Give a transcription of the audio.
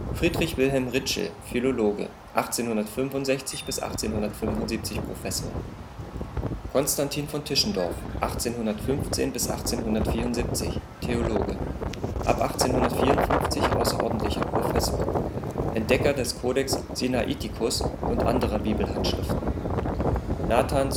Friedrich Wilhelm Ritschl, Philologe, 1865 - 1875 Professor Konstantin von Tischendorf, (1815 – 1874), Theologe, ab 1854 a.o. Prof., Entdecker des Codex Sinaiticus und anderer Bibelhandschriften Nathan